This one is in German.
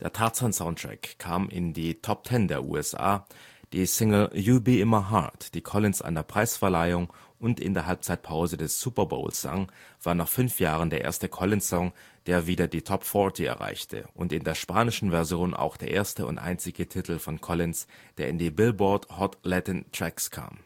Tarzan-Soundtrack kam in die Top Ten der USA, die Single You'll Be in My Heart, die Collins an der Preisverleihung und in der Halbzeitpause des Super Bowl sang, war nach fünf Jahren der erste Collins-Song, der wieder die Top 40 erreichte und in der spanischen Version auch der erste und einzige Titel von Collins, der in die Billboard 's Hot Latin Tracks kam